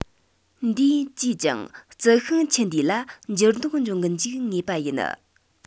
འདིས ཅིས ཀྱང རྩི ཤིང ཁྱུ འདུས ལ འགྱུར ལྡོག འབྱུང གི འཇུག ངེས པ ཡིན